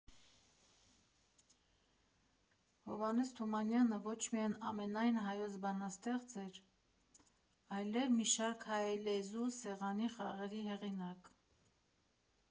Հովհաննես Թումանյանը ոչ միայն ամենայն հայոց բանաստեղծն էր, այլև մի շարք հայալեզու սեղանի խաղերի հեղինակ։